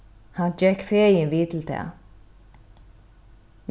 hann gekk fegin við til tað